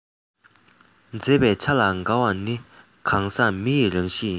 མཛེས པའི ཆ ལ དགའ བ ནི གང ཟག མི ཡི རང གཤིས ཡིན